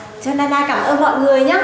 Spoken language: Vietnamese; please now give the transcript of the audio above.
cho na na cảm ơn mọi người nhá